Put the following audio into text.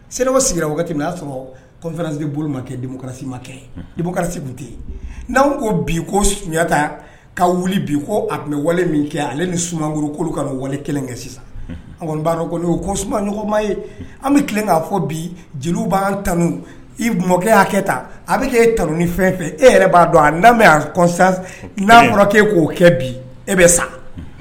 Se sigira'a sɔrɔ bolo ma ma kɛ tɛ n' ko bi ko sunjatata ka wuli bi ko a tun bɛ wale min kɛ ale ni sumankurukolo ka wale kelen kɛ kɔni' komanɲɔgɔma ye an bɛ tilen k fɔ bi jeliw b' tan i mɔkɛ y'a kɛ ta a bɛ kɛ e ta ni fɛn fɛ e yɛrɛ b'a dɔn a n'a kɔrɔkɛ e k'o kɛ bi e bɛ sa